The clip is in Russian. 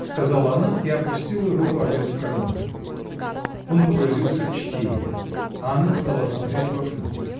— сказала она и опустила руку опять в карман. Он погрузился в чтение. А она стала смотреть в окно.